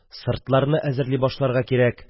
Сыртларны әзерли башларга кирәк